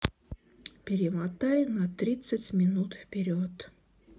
перемотай на тридцать минут вперед